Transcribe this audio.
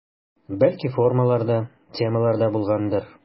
Бәлки формалар да, темалар да булгандыр.